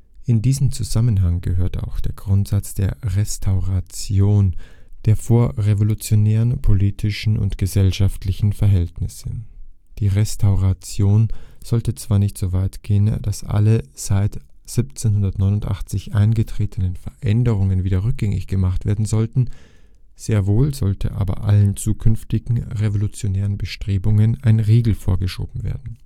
In diesen Zusammenhang gehört auch der Grundsatz der Restauration der vorrevolutionären politischen und gesellschaftlichen Verhältnisse. Die Restauration sollte zwar nicht so weit gehen, dass alle seit 1789 eingetretenen Veränderungen wieder rückgängig gemacht werden sollten, sehr wohl sollte aber allen zukünftigen revolutionären Bestrebungen ein Riegel vorgeschoben werden